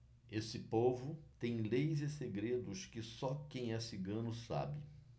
esse povo tem leis e segredos que só quem é cigano sabe